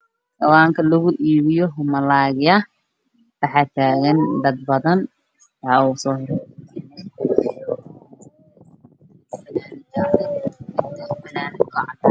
Waa kawaanka malaayga dad badan ayaa jooga